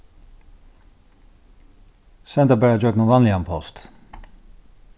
send tað bara gjøgnum vanligan post